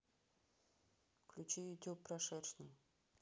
включи ютуб про шершней